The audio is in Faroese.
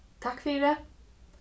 takk fyri